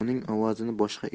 uning ovozini boshqa